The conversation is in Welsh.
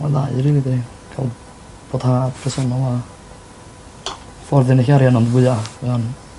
Ma'n ddau rili boddhad personol a ffordd i enill arian on' fwya mae o'n